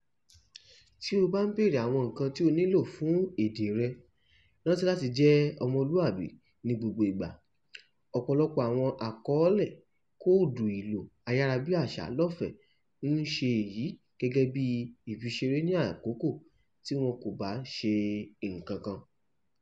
Tí ó bá ń béèrè àwọn nǹkan tí o nílò fún èdè rẹ, rántí láti jẹ́ ọmọlúwàbí ní gbogbo ìgbà - ọ̀pọ̀lọpọ̀ àwọn aṣàkọ́ọ́lẹ̀ kóòdù ìlò ayárabíàsá lọ́fẹ̀ẹ́ ń ṣe èyí gẹ́gẹ́ bíi ìfiṣeré ní àkọ́kọ́ tí wọ́n kò bá ṣe nǹkankan.